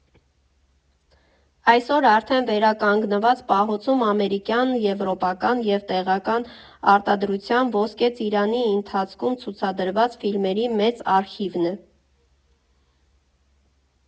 Այսօր արդեն վերականգնված պահոցում ամերիկյան, եվրոպական ու տեղական արտադրության, Ոսկե Ծիրանի ընթացքում ցուցադրված ֆիլմերի մեծ արխիվն է։